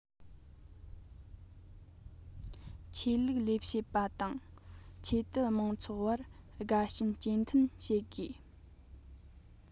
ཆོས ལུགས ལས བྱེད པ དང ཆོས དད དམངས ཚོགས བར དགའ ཞེན གཅེས མཐུན བྱེད དགོས